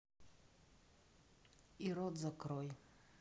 и рот закрой